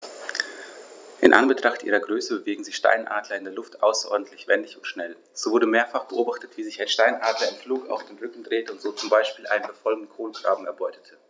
In Anbetracht ihrer Größe bewegen sich Steinadler in der Luft außerordentlich wendig und schnell, so wurde mehrfach beobachtet, wie sich ein Steinadler im Flug auf den Rücken drehte und so zum Beispiel einen verfolgenden Kolkraben erbeutete.